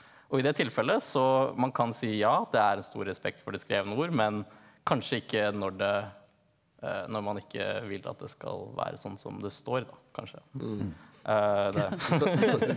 og i det tilfellet så man kan si ja det er stor respekt for det skrevne ord men kanskje ikke når det når man ikke vil at det skal være sånn som det står da kanskje .